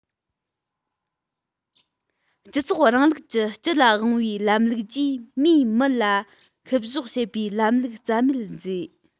སྤྱི ཚོགས རིང ལུགས ཀྱི སྤྱི ལ དབང བའི ལམ ལུགས ཀྱིས མིས མི ལ བཤུ གཞོག བྱེད པའི ལམ ལུགས རྩ མེད བཟོས